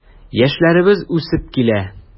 Яшьләребез үсеп килә.